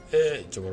Ee cɛkɔrɔba.